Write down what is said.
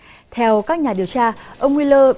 theo các nhà điều tra ông guy lơ